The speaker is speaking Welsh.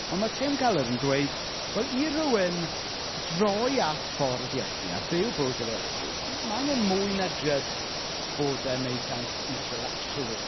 Ond ma' Tim Keller yn dweud wel i rywun droi at ffordd Iesu a byw bywyd gyda Iesu m- ma' angen mwy na jyst bod e'n wneud sens intellectually.